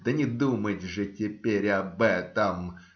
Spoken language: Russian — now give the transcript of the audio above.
Да не думать же теперь об этом!